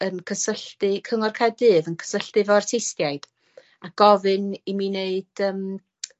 yn cysylltu, cyngor Caerdydd yn cysylltu 'fo artistiaid, a gofyn i mi neud yym